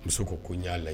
Muso ko y'a lajɛ